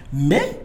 Mais